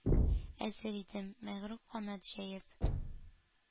Әзер идем, мәгърур канат җәеп,